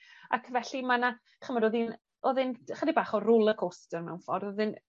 Ac felly ma' 'na ch'mod odd 'i'n odd e'n chydig bach o roler coaster mewn ffordd odd e'n